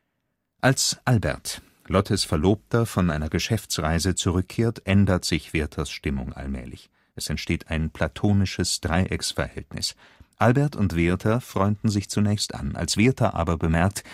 Als Albert, Lottes Verlobter, von einer Geschäftsreise zurückkehrt, ändert sich Werthers Stimmung allmählich. Es entsteht ein platonisches Dreiecksverhältnis. Albert und Werther freunden sich zunächst an. Als Werther aber bemerkt